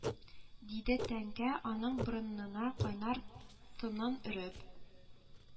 Диде тәңкә, аның борынына кайнар тынын өреп